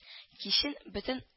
Кичен бөтен